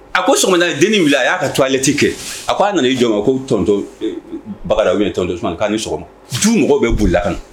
A ko so dennin bila a y'a ka to alelɛti kɛ a k' aa nana i jɔn ma ko tɔnto bakarijanw tɔntɔ sumaumana' ni sɔgɔma ju mɔgɔ bɛ bolila ka